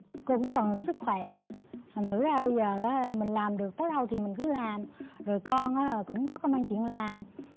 cô cũng còn sức khỏe thành thử ra bây giờ á mình làm được tới đâu thì mình cứ làm rồi con cũng có công ăn chuyện làm